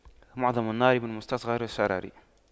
معظم النار من مستصغر الشرر